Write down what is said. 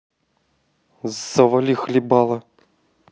завали хлебало